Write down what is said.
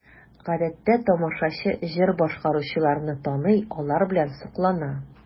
Гадәттә тамашачы җыр башкаручыларны таный, алар белән соклана.